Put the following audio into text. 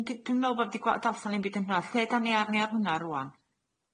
Dwi'n d- dwi'n me'wl bo' fi di gwa- darllan unbyd yn hwnna. Lle dan ni arni ar hwnna rŵan?